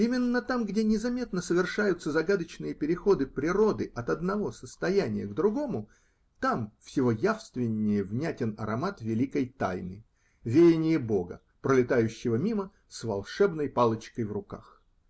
Именно там, где незаметно совершаются загадочные переходы природы от одного состояния к другому, там всего явственнее внятен аромат великой тайны, веяние Бога, пролетающего мимо "с волшебной палочкой в руках".